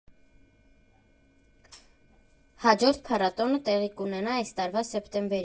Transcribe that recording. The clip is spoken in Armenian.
Հաջորդ փառատոնը տեղի կունենա այս տարվա սեպտեմբերին։